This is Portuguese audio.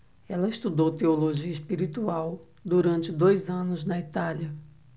ela estudou teologia espiritual durante dois anos na itália